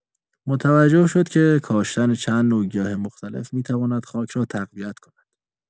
متوجه شد که کاشتن چند نوع گیاه مختلف می‌تواند خاک را تقویت کند.